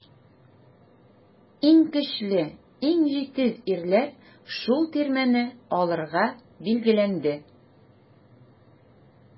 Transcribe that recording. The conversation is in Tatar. Иң көчле, иң җитез ирләр шул тирмәне алырга билгеләнде.